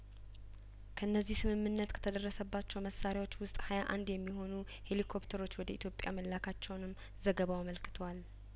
ከነዚህ ስምምነት ከተደረሰባቸው መሳሪያዎች ውስጥ ሀያአንድ የሚሆኑ ሄሊኮፕተሮች ወደ ኢትዮጵያ መላካቸውንም ዘገባው አመልክቷል